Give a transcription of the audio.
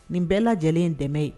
Nin bɛɛ lajɛlen in dɛmɛ ye